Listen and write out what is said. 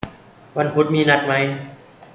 วันพุธมีนัดมั้ย